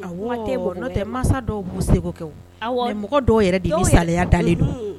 A waati tɛ masa dɔw b' segukɛ mɔgɔ dɔw yɛrɛ de ko sariya dalenlen don